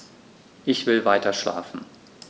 Ich will weiterschlafen.